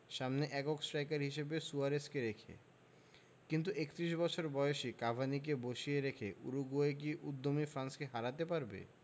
সামনে একক স্ট্রাইকার হিসেবে সুয়ারেজকে রেখে কিন্তু ৩১ বছর বয়সী কাভানিকে বসিয়ে রেখে উরুগুয়ে কি উদ্যমী ফ্রান্সকে হারাতে পারবে